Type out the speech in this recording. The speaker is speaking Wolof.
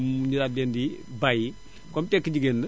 ñu daal di leen di bàyyi comme tekki jigéen la